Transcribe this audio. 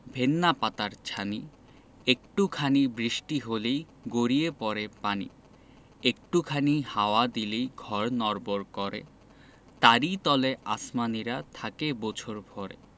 ভেন্না পাতার ছানি একটু খানি বৃষ্টি হলেই গড়িয়ে পড়ে পানি একটু খানি হাওয়া দিলেই ঘর নড়বড় করে তারি তলে আসমানীরা থাকে বছর ভরে